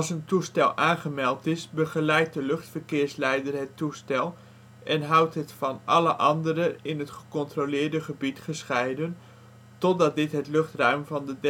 een toestel aangemeld is begeleidt de luchtverkeersleider het toestel, en houdt het van alle andere in het gecontroleerde gebied gescheiden, totdat dit het luchtruim van de